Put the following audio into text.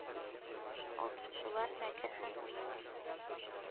Алдашулар, мәкер һәм уен.